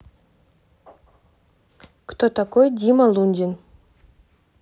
кто такой дима лундин